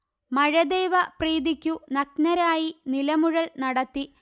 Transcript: മഴദൈവ പ്രീതിക്കു നഗ്നരായി നിലമുഴൽ നടത്തി